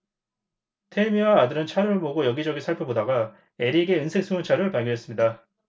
태미와 아들은 차를 몰고 여기 저기 살펴보다가 에릭의 은색 승용차를 발견했습니다